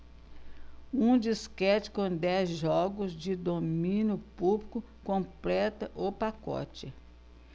um disquete com dez jogos de domínio público completa o pacote